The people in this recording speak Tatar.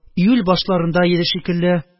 Июль башларында иде шикелле...